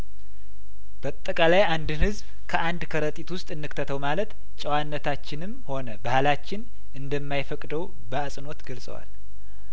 ባጠቃላይ አንድን ህዝብ ከአንድ ከረጢት ውስጥ እንክተተው ማለት ጨዋነታችንም ሆነ ባህላችን እንደማይፈቅደው በአጽንኦት ገልጸዋል